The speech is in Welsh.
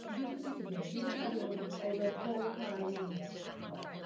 Fi jyst isie dweud, dwi yn meddwl oedd y g- oedd y golwg 'na ar ei wyneb achos...